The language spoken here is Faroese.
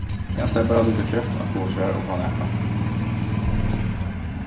eg ætlaði bara líka skjótt at fáa svar upp á nakað